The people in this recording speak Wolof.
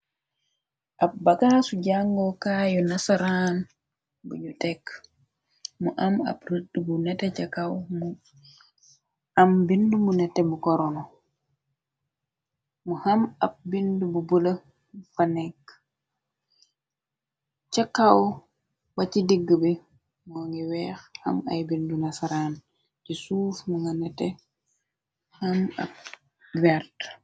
Ab bakaasu jàngookaayu nasaraan buñyu tekk mu am ab reudu bu neteh ca kaw am bindi mu neteh bu korono mu amm ab bindi bu bula fa nekk ca kaw ba ci digg bi moo ngi weex xam ay bindu nasaraan ci suuf mi nga neteh amm ab weert.